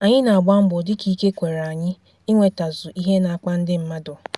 Anyị na-agba mbọ dịka ike kwere anyị inwetazu ihe na-akpa ndị mmadụ.